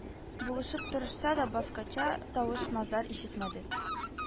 Булып тырышса да, башкача тавыш-мазар ишетмәде